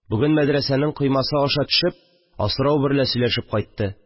Бүген мәдрәсәнең коймасы аша төшеп, асрау берлә сөйләшеп кайтты